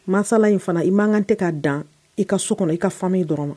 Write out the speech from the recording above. Masala in fana, i man kan tɛ k'a dan, i ka so kɔnɔ, i ka famille dɔrɔn ma.